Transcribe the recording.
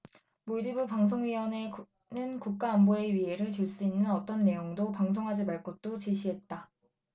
몰디브 방송위원회는 국가안보에 위해를 줄 수 있는 어떤 내용도 방송하지 말 것도 지시했다